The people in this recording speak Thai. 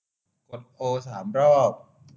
กดโอสามรอบ